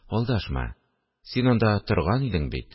– алдашма, син анда торган идең бит